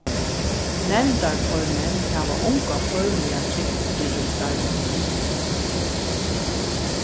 nevndarformenn hava onga formliga trygd fyri starvinum